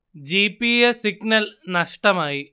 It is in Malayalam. ജീ പീ എസ് സിഗ്നൽ നഷ്ടമായി